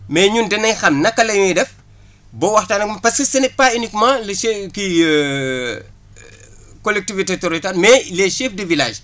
mais ñun danañ xam naka la ñuy def ba wwaxtaan ak parce que ce n' est pas uniquement le kii collectivité territoriale mais les chefs de villages